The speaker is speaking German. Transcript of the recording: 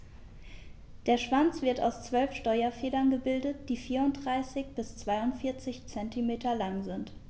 Der Schwanz wird aus 12 Steuerfedern gebildet, die 34 bis 42 cm lang sind.